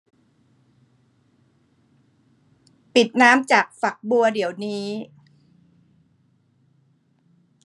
ปิดน้ำจากฝักบัวเดี๋ยวนี้